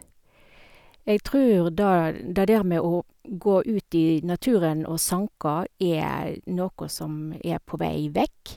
Jeg tror det det der med å gå ut i naturen og sanke er noe som er på vei vekk.